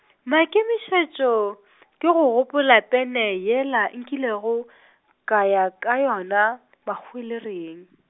maikemišetšo , ke go kgopola bene yela nkilego , ka ya ka yona , Mahwelereng.